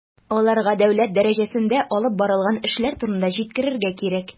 Аларга дәүләт дәрәҗәсендә алып барылган эшләр турында җиткерергә кирәк.